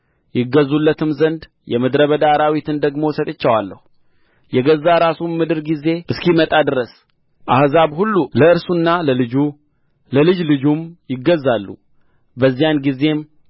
ይገዙለትም ዘንድ የምድረ በዳ አራዊትን ደግሞ ሰጥቼዋለሁ የገዛ ራሱም ምድር ጊዜ እስኪመጣ ድረስ አሕዛብ ሁሉ ለእርሱና ለልጅ ለልጅ ልጁም ይገዛሉ በዚያን ጊዜም